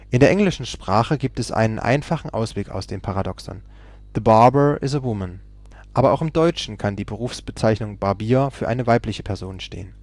englischen Sprache gibt es einen einfachen Ausweg aus dem Paradoxon: " The barber is a woman. " Aber auch im Deutschen kann die Berufsbezeichnung " Barbier " für eine weibliche Person stehen